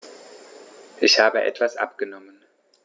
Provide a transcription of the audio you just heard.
Ich habe etwas abgenommen.